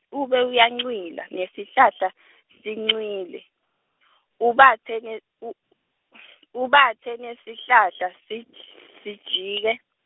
ube uyancwila, nesihlahla , sincwile, ubatse nge- u- ubatse nesihlahla siji- sijike.